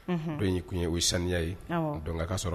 Don y'i kun ye o ye saniya ye dɔnkaka sɔrɔ